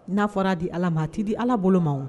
N'a fɔra di ala ma a tɛ' di ala bolo ma